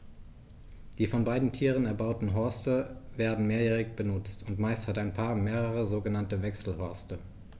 Die von beiden Tieren erbauten Horste werden mehrjährig benutzt, und meist hat ein Paar mehrere sogenannte Wechselhorste.